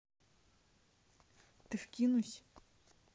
ты вкинусь